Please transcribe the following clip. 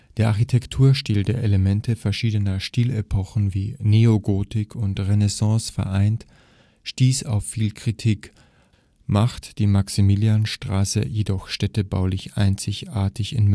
Der Architekturstil, der Elemente verschiedener Stilepochen wie Neogotik und Renaissance vereint, stieß auf viel Kritik, macht die Maximilianstraße jedoch städtebaulich einzigartig in München